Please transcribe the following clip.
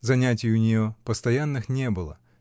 Занятий у нее постоянных не было.